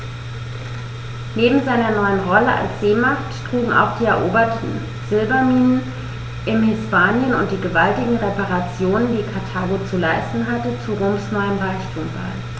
Neben seiner neuen Rolle als Seemacht trugen auch die eroberten Silberminen in Hispanien und die gewaltigen Reparationen, die Karthago zu leisten hatte, zu Roms neuem Reichtum bei.